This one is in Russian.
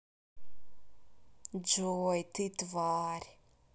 джой ты тварь